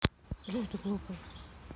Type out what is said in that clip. джой ты глупый